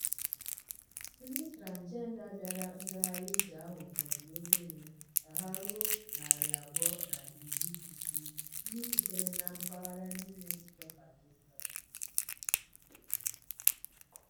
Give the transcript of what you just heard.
Ndị transịjenda bịara ngagharị ije ahụ fọdụrụ obere ka ha ruo 250 ndị sitere na mpaghara niile nke Pakistan.